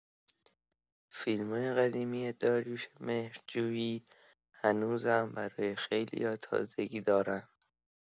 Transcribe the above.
فیلمای قدیمی داریوش مهرجویی هنوزم برای خیلیا تازگی دارن.